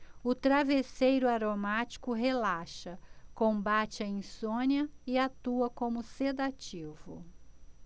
o travesseiro aromático relaxa combate a insônia e atua como sedativo